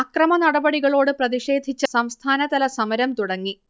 അക്രമനടപടികളോട് പ്രതിക്ഷേധിച്ച് സംസ്ഥാനതല സമരം തുടങ്ങി